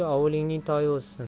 ovulingning toyi o'zsin